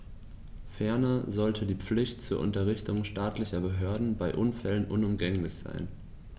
Ferner sollte die Pflicht zur Unterrichtung staatlicher Behörden bei Unfällen unumgänglich sein.